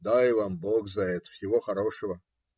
Дай вам бог за это всего хорошего.